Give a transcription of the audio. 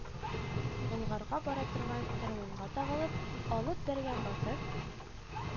Болгарга бара торган кәрванга тагылып, Алып Бәргән батыр